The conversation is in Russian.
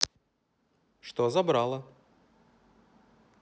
что забрала